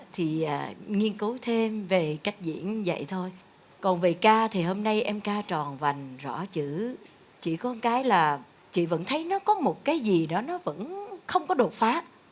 thì nghiên cứu thêm về cách diễn vậy thôi còn về ca thì hôm nay em ca tròn vành rõ chữ chỉ con cái là chị vẫn thấy nó có một cái gì đó nó vẫn không có đột phá